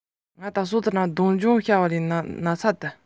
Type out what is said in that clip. ཐེང མ རྒྱ བཟའ ཐག གཅོད རེད